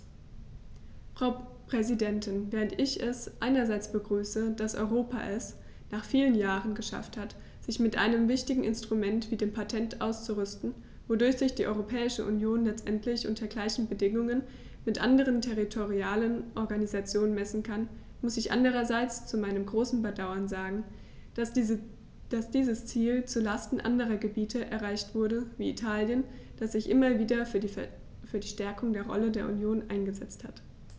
Frau Präsidentin, während ich es einerseits begrüße, dass Europa es - nach vielen Jahren - geschafft hat, sich mit einem wichtigen Instrument wie dem Patent auszurüsten, wodurch sich die Europäische Union letztendlich unter gleichen Bedingungen mit anderen territorialen Organisationen messen kann, muss ich andererseits zu meinem großen Bedauern sagen, dass dieses Ziel zu Lasten anderer Gebiete erreicht wurde, wie Italien, das sich immer wieder für die Stärkung der Rolle der Union eingesetzt hat.